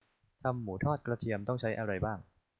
ทำหมูทอดกระเทียมต้องใช้อะไรบ้าง